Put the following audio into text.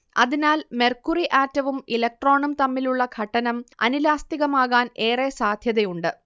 അതിനാൽ മെർക്കുറി ആറ്റവും ഇലക്ട്രോണും തമ്മിലുള്ള ഘട്ടനം അനിലാസ്തികമാകാൻ ഏറെ സാധ്യതയുണ്ട്